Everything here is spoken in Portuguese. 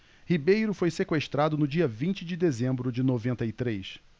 ribeiro foi sequestrado no dia vinte de dezembro de noventa e três